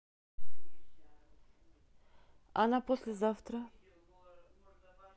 а на послезавтра